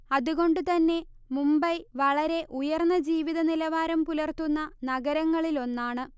അതുകൊണ്ടു തന്നെ മുംബൈ വളരെ ഉയർന്ന ജീവിത നിലവാരം പുലർത്തുന്ന നഗരങ്ങളിൽ ഒന്നാണ്